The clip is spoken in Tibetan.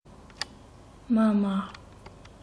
མཱ མཱ